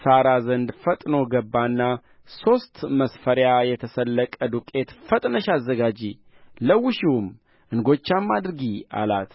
ሣራ ዘንድ ፈጥኖ ገባና ሦስት መስፈሪያ የተሰለቀ ዱቄት ፈጥነሽ አዘጋጂ ለውሺውም እንጎቻም አድርጊ አላት